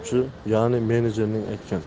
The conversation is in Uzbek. boshqaruvchi ya'ni menejerning aytgan